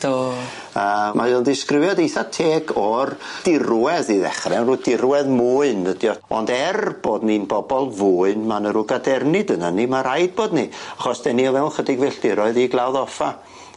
Do. A mae o'n disgrifiad eitha teg o'r dirwedd i ddechre, rw dirwedd mwyn ydi o. Ond er bod ni'n bobol fwyn, ma' 'na ryw gadernid anon ni, ma' raid bod ni achos 'dan ni o fewn chydig filltiroedd i Glawdd Offa.